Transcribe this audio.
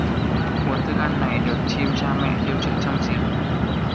nguồn thức ăn này được chim cha mẹ lưu trữ trong diều